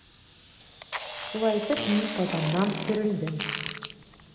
Шулай итеп, мин Казаннан сөрелдем.